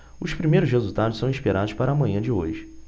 os primeiros resultados são esperados para a manhã de hoje